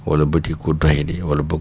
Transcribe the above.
wala bëti ku doyadi wal boog